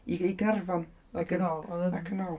I- i Gaernarfon, ac yn ôl... Odd o'n... ac yn ôl.